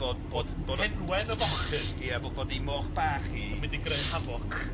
bod bod bod Henwen y fochyn.... Ia bo' bod 'i moch bach hi... ...yn mynd i greu hafoc